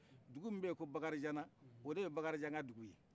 dugu min bɛ yen ko bkaeijanna o de ye bakarijan ka dugu ye